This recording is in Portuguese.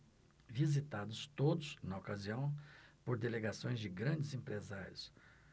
visitados todos na ocasião por delegações de grandes empresários